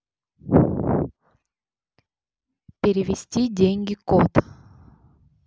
перевести деньги кот